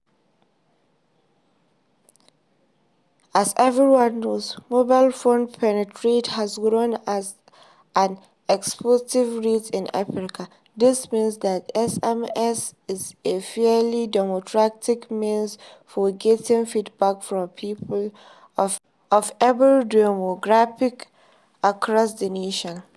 As everyone knows, mobile phone penetration has grown at an explosive rate in Africa, this means that SMS is a fairly democratic means for getting feedback from people of every demographic across the nation.